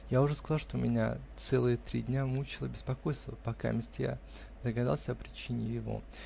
Я уже сказал, что меня целые три дня мучило беспокойство, покамест я догадался о причине его.